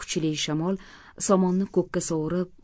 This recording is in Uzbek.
kuchli shamol somonni ko'kka sovurib